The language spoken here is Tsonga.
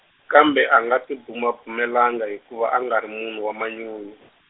kambe a nga tibumabumelanga hikuva a nga ri munhu wa manyunyu.